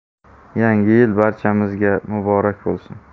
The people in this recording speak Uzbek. yangi yil barchamizga muborak bo'lsin